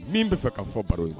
Min bɛ fɛ ka fɔ baro in